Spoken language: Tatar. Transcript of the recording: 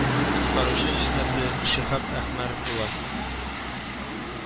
Коткаручы җизнәсе шиһап әхмәров була